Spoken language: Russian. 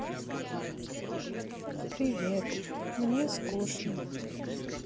привет мне скучно